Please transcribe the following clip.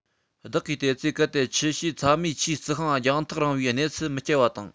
བདག གིས བལྟས ཚེ གལ ཏེ ཆུ བྱས ཚྭ མེད ཆུའི རྩི ཤིང རྒྱང ཐག རིང བའི གནས སུ མི སྐྱེལ བ དང